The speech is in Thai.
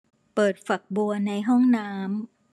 เปิดฝักบัวในห้องน้ำ